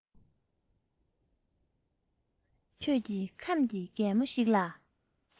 ཁྱོད ཀྱིས ཁམས ཀྱི རྒན མོ ཞིག ལ